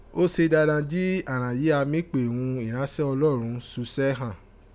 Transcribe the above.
o se dandan ji àghan yìí a mí pè ghun “iránsẹ́ Ọlọ́rọn” susẹ ghan.